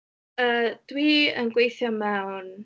Yy, dwi yn gweithio mewn...